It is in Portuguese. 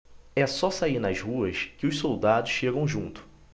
é só sair nas ruas que os soldados chegam junto